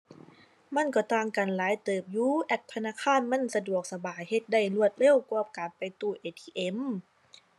มันก็ต่างกันหลายเติบอยู่ แอปธนาคารมันสะดวกสบายเฮ็ดได้รวดเร็วกว่าการไปตู้ ATM